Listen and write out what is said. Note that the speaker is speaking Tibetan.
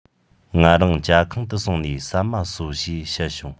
ང རང ཇ ཁང དུ སོང ནས ཟ མ ཟོ ཞེས བཤད བྱུང